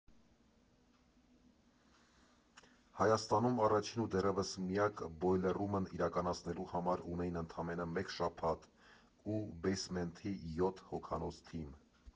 Հայաստանում առաջին ու դեռևս միակ Բոյլեռումն իրականացնելու համար ունեին ընդամենը մեկ շաբաթ ու Բեյսմենթի յոթ հոգանոց թիմ։